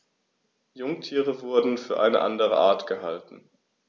Jungtiere wurden für eine andere Art gehalten.